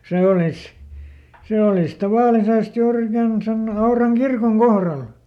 se olisi se olisi tavallisesti juuri ikään sen Auran kirkon kohdalla